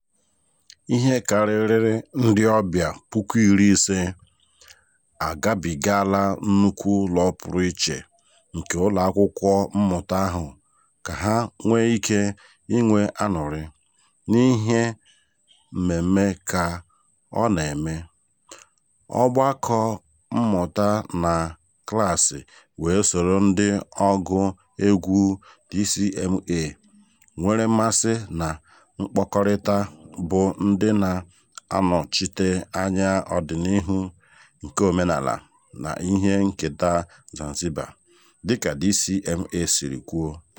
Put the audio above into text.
Ihe karịrị ndị ọbịa 15,000 agabigaala nnukwu ụlọ pụrụ iche nke ụlọakwụkwọ mmụta ahụ ka ha nwee ike inwe añụrị n'ihe mmemme ka ọ na-eme, ọgbakọ mmụta na klaasị wee soro ndị ọgụ egwu DCMA nwere mmasị na-akpakọrịta bụ ndị na-anọchite anya ọdịnihu nke omenaala na ihe nketa Zanzibar, dịka DCMA siri kwuo.